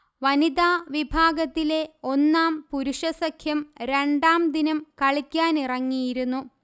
വനിതാ വിഭാഗത്തിലെ ഒന്നാം പുരുഷ സഖ്യം രണ്ടാം ദിനം കളിക്കാനിറങ്ങിയിരുന്നു